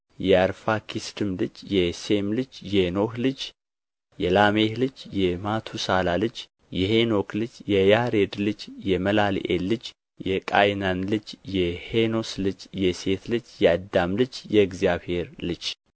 የአርፋክስድ ልጅ የሴም ልጅ የኖኅ ልጅ የላሜህ ልጅ የማቱሳላ ልጅ የሄኖክ ልጅ የያሬድ ልጅ የመላልኤል ልጅ የቃይናን ልጅ የሄኖስ ልጅ የሴት ልጅ የአዳም ልጅ የእግዚአብሔር ልጅ